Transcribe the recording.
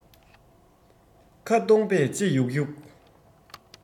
ཁ སྟོང པས ལྕེ ཡུག ཡུག